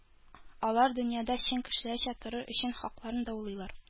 Алар дөньяда чын кешеләрчә торыр өчен хакларын даулыйлар